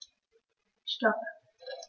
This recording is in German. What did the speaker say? Stop.